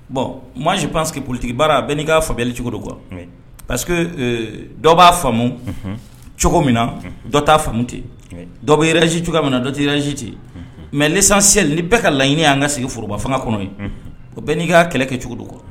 Bon maz pan sigi politigi bara bɛɛ'i'a fali cogo don qu parce que dɔ b'a faamu cogo min na dɔ t'a famu tɛ dɔ bɛ z cogoya min na dɔ' zji tɛ mɛ san selili bɛ ka laɲini'an ka sigi foroba fanga kɔnɔ ye o bɛ n'i'a kɛlɛ kɛ cogo don kɔ